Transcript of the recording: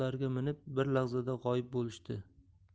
minib bir lahzada g'oyib bo'lishdi